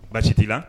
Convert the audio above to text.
Baasi t'i la